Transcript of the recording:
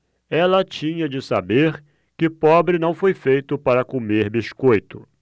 ela tinha de saber que pobre não foi feito para comer biscoito